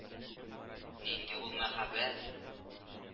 Нинди ул мәһабәт